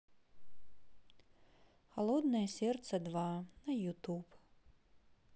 холодное сердце два на ютуб